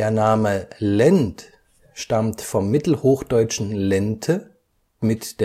Name „ Lend “stammt vom mittelhochdeutschen „ Lente “(=